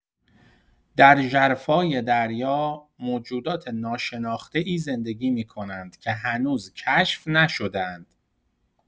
در ژرفای دریا، موجودات ناشناخته‌ای زندگی می‌کنند که هنوز کشف نشده‌اند.